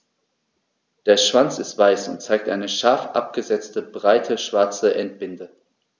Der Schwanz ist weiß und zeigt eine scharf abgesetzte, breite schwarze Endbinde.